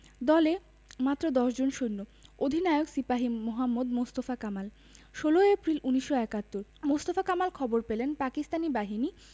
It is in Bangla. দলে মাত্র দশজন সৈন্য অধিনায়ক সিপাহি মোহাম্মদ মোস্তফা কামাল ১৬ এপ্রিল ১৯৭১ মোস্তফা কামাল খবর পেলেন পাকিস্তানি বাহিনী